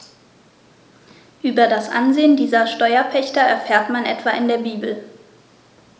Über das Ansehen dieser Steuerpächter erfährt man etwa in der Bibel.